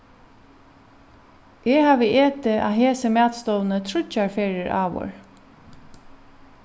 eg havi etið á hesi matstovuni tríggjar ferðir áður